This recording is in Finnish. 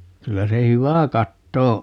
kyllä se hyvä katto on